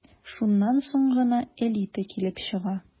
Шуннан соң гына «элита» килеп чыга...